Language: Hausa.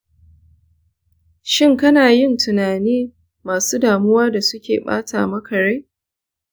shin kana yin tunani masu damuwa da suke bata maka rai?